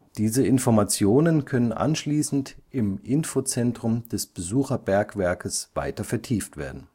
Diese Informationen können anschließend im Infozentrum des Besucherbergwerkes weiter vertieft werden